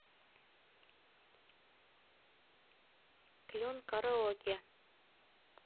клен караоке